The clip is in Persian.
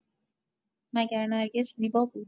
مگر نرگس زیبا بود؟